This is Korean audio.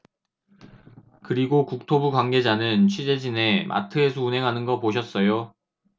그리고 국토부 관계자는 취재진에 마트에서 운행하는 거 보셨어요